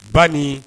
Ba ni